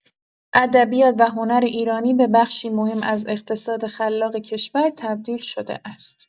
ادبیات و هنر ایرانی به بخشی مهم از اقتصاد خلاق کشور تبدیل شده است.